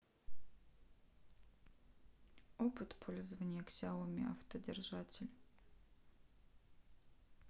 опыт пользования ксяоми автодержатель